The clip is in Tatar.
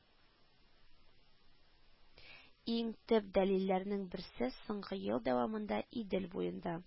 Иң төп дәлилләрнең берсе: соңгы ел дәвамында идел буенда